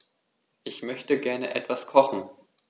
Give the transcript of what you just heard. Ich möchte gerne etwas kochen.